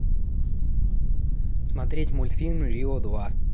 смотреть мультфильм рио два